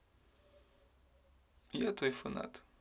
я твой фанат